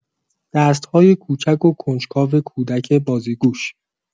دست‌های کوچک و کنجکاو کودک بازیگوش